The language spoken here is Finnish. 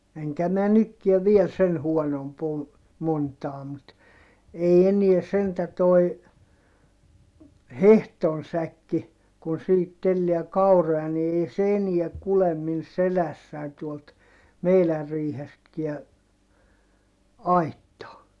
enkä minä nytkään vielä sen huonompi ole montaa mutta ei enää sentään tuo hehdon säkki kun siihen tellää kauroja niin ei se enää kulje minun selässäni tuolta meidän riihestäkään aittaan